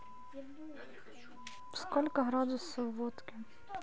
сколько градусов в водке